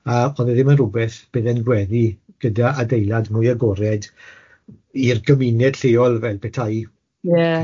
yy o'dd e ddim yn rwbeth bydde'n gweddu gyda adeilad mwy agored i'r gymuned lleol fel petai... Ie...